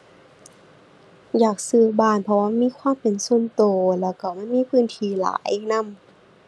อยากซื้อบ้าน เพราะว่ามันมีความเป็นส่วนตัว แล้วก็มันมีพื้นที่หลายนำ